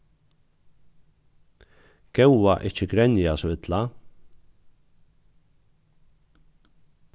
góða ikki grenja so illa